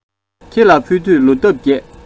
ཁྱེད ལ ཕུལ དུས ལོ འདབ རྒྱས